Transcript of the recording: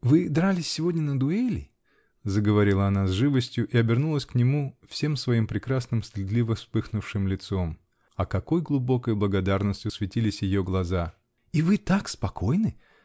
-- Вы дрались сегодня на дуэли, -- заговорила она с живостью и обернулась к нему всем своим прекрасным, стыдливо вспыхнувшим лицом, -- а какой глубокой благодарностью светились ее глаза! -- И вы так спокойны?